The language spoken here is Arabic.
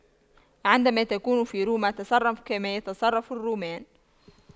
عندما تكون في روما تصرف كما يتصرف الرومان